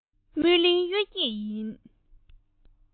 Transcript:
མོན གླིང གཡུལ འགྱེད ཡིན